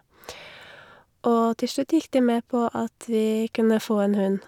Og til slutt gikk de med på at vi kunne få en hund.